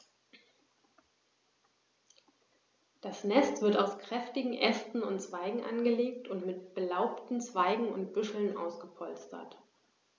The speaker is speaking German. Das Nest wird aus kräftigen Ästen und Zweigen angelegt und mit belaubten Zweigen und Büscheln ausgepolstert.